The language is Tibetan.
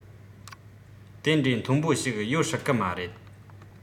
དེ འདྲའི མཐོན པོ ཞིག ཡོད སྲིད གི མ རེད